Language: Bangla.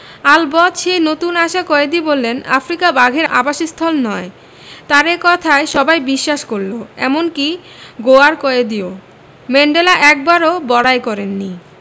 আলবত সেই নতুন আসা কয়েদি বললেন আফ্রিকা বাঘের আবাসস্থল নয় তাঁর এ কথায় সবাই বিশ্বাস করল এমনকি গোঁয়ার কয়েদিও ম্যান্ডেলা একবারও বড়াই করেননি